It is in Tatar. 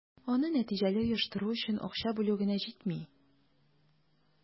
Аны нәтиҗәле оештыру өчен акча бүлү генә җитми.